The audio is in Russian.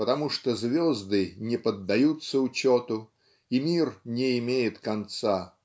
потому что звезды не поддаются учету и мир не имеет конца.